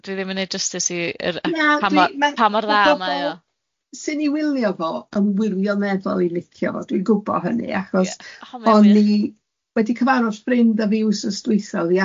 d- dwi ddim yn neud justis i yr ep- pa mor dda mae o... Na dwi ma' bobol sy'n 'i wilio fo yn wirioneddol 'i licio fo, dwi'n gwbo hynny, achos... O ma'n wych... o'n i wedi cyfarfod ffrind a fi wsos dwytha o'dd 'i